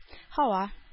Һава